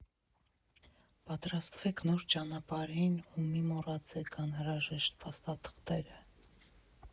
Պատրաստվեք նոր ճանապարհին ու մի մոռացեք անհրաժեշտ փաստաթղթերը։